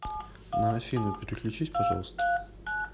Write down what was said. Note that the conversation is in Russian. на афину переключись пожалуйста